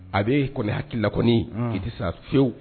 Abi kɔni hakila kɔni ki ti sa fiyewu